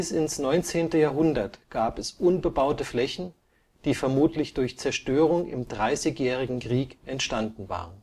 ins 19. Jahrhundert gab es unbebaute Flächen, die vermutlich durch Zerstörung im Dreißigjährigen Krieg entstanden waren